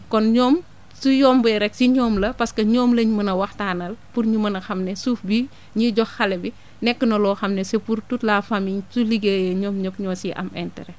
kon ñoom su yombee rek si ñoom la parce que ñoom lañ mën a waxtaanal pour ñu mën a xam ne suuf bi ñiy jox xale bi nekk na loo xam ne c' est pour toute la famille su liggéeyee ñoom ñëpp ñoo siy am intérët